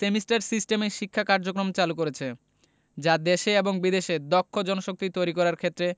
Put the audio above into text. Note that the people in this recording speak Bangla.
সেমিস্টার সিস্টেমে শিক্ষা কার্যক্রম চালু করেছে যা দেশে এবং বিদেশে দক্ষ জনশক্তি তৈরি করার ক্ষেত্রে গ